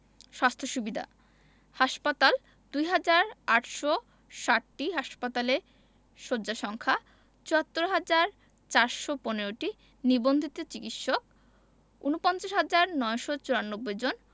স্বাস্থ্য সুবিধাঃ হাসপাতাল ২হাজার ৮৬০টি হাসপাতালের শয্যা সংখ্যা ৭৪হাজার ৪১৫টি নিবন্ধিত চিকিৎসক ৪৯হাজার ৯৯৪ জন